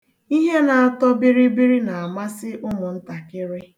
Ihe na-atọ bịrịbịrị na-amasị ụmụntakịrị.